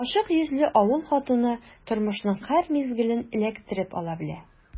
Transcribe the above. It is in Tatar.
Ачык йөзле авыл хатыны тормышның һәр мизгелен эләктереп ала белә.